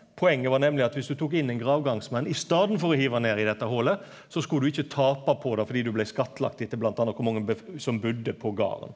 poenget var nemleg at viss du tok inn ein gravgangsmann i staden for å hive han nedi dette holet så skulle du ikkje tapa på det fordi du blei skattlagt etter bl.a. kor mange som budde på garden.